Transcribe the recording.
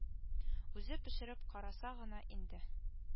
Үзе пешереп караса гына инде